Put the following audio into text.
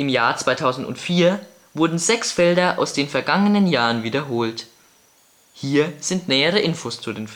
Jahr 2004 wurden sechs Felder aus den vergangenen Jahren wiederholt. Hier sind nähere Infos zu den